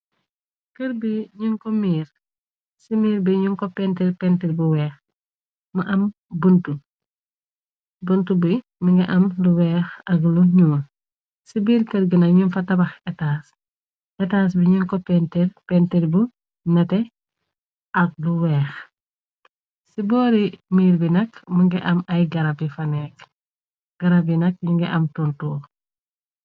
Kër bi ñuñ ko miir ci miir bi ñuñ ko pentir pentir bu weex, mu am buntu bi mi nga am lu weex ak lu ñuo. Ci biir kër gina ñuñ fa tabax etas etaas bi ñuñ ko pentir bu nete ak lu weex; ci boori miir bi nak mu ngi am ay garab i fanek garab yi nak yu ngi am tuntuu.